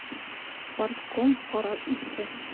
Партком карар итте.